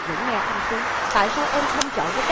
vẫn nghe không sướng tại sao em không chọn cái